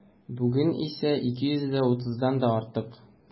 Бүген исә 230-дан да артык.